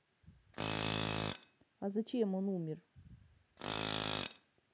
а зачем он умер